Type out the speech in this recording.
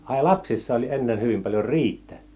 ai lapsissa oli ennen hyvin paljon riisiä